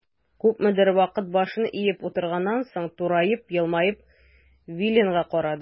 Күпмедер вакыт башын иеп утырганнан соң, тураеп, елмаеп Виленга карады.